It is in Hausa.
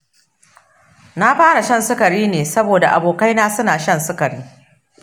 na fara shan sigari ne saboda abokaina suna shan sigari.